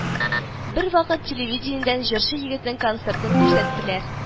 Бервакыт телевидениедән җырчы егетнең концертын күрсәттеләр